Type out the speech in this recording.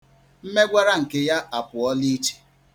Mmegwara nke ya apụọla iche.